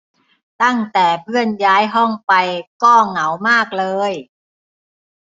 ตั้งแต่เพื่อนย้ายห้องไปก็เหงามากเลย